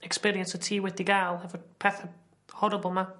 experience wt ti wedi ga'l hefo petha horrible 'ma.